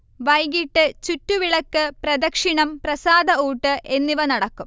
വൈകീട്ട് ചുറ്റുവിളക്ക്, പ്രദക്ഷിണം, പ്രസാദഊട്ട് എന്നിവ നടക്കും